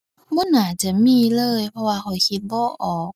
บ่น่าจะมีเลย เพราะว่าข้อยคิดบ่ออก